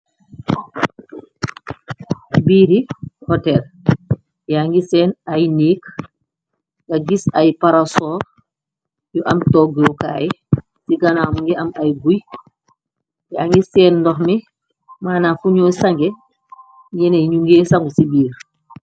Biir yi hoter ya ngi seen ay niiq nga gis ay parasor yu am toggukaay ci ganaam ngi am ay guy yaa ngi seen ndox mi mana fuñuo sange yené nu ngé sangu ci biir.